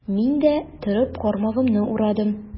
Мин дә, торып, кармагымны урадым.